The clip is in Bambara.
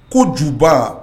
Ko juba